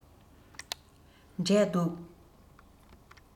འབྲས འདུག